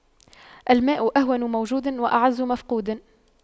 الماء أهون موجود وأعز مفقود